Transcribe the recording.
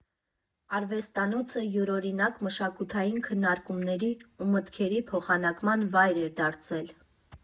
Արվեստանոցը յուրօրինակ մշակութային քննարկումների ու մտքերի փոխանակման վայր էր դարձել։